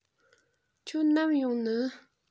ཁྱོད ནམ ཡོང ནི